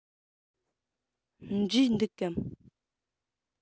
འབྲས འདུག གམ